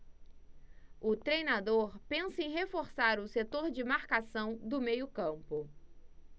o treinador pensa em reforçar o setor de marcação do meio campo